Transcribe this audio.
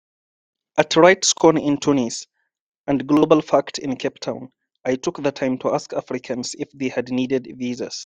At RightsCon in Tunis, and GlobalFact in Cape Town, I took the time to ask Africans if they had needed visas.